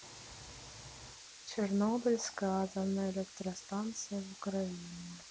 чернобыльская атомная электростанция в украине